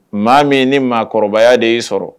Maa min ni mɔgɔkɔrɔbabayaya de y'i sɔrɔ